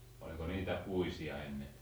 oliko niitä puisia ennen